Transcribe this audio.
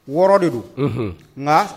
Wɔɔrɔ de don nka